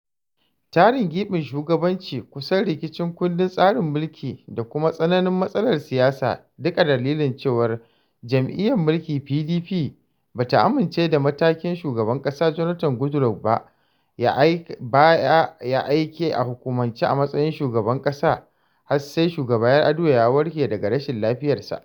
Tarin giɓin shugabanci, kusan rikicin kundin tsarin mulki, da kuma tsananin matsalar siyasa, duk a dalilin cewa jam’iyya mulki (PDP) ba ta amince da Mataimakin Shugaban Ƙasa (Jonathan Goodluck) ba ya yi aiki a hukumance a matsayin Shugaban Ƙasa, har sai Shugaba Yar’Adua ya warke daga rashin lafiyarsa.